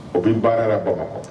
O bɛ baara la bamakɔ.